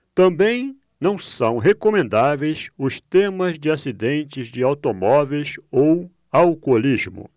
também não são recomendáveis os temas de acidentes de automóveis ou alcoolismo